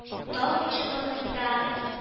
Тал чыбыгындай